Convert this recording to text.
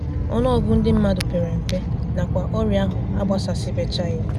PG: Onu ogugu ndi mmadu pere mpe nakwa oria ahụ agbasasibechaghi.